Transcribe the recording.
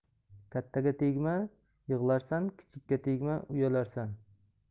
kattaga tegma yig'larsan kichikka tegma uyalarsan